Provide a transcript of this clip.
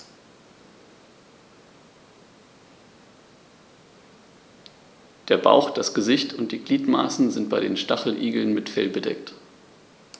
Der Bauch, das Gesicht und die Gliedmaßen sind bei den Stacheligeln mit Fell bedeckt.